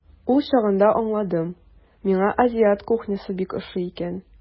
Ул чагында аңладым, миңа азиат кухнясы бик ошый икән.